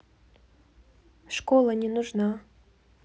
школа не нужна